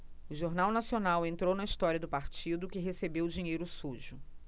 o jornal nacional entrou na história do partido que recebeu dinheiro sujo